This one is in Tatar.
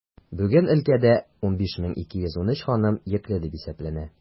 Бүген өлкәдә 15213 ханым йөкле дип исәпләнә.